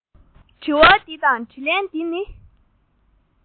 དྲི བ འདི དང དྲིས ལན འདི ནི